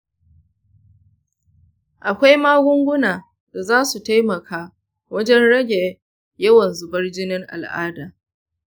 akwai magunguna da za su taimaka wajen rage yawan zubar jinin al’ada.